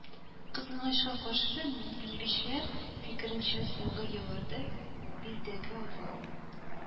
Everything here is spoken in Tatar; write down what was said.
Кызганычка каршы, белгечләр фикеренчә, соңгы елларда илдәге авыл